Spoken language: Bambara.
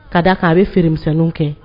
Ka d'a kan a be feeremisɛnninw kɛ